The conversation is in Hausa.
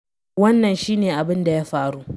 Wannan shi ne abin da ya faru.